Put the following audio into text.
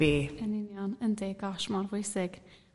yn union yndi gosh mor bwysig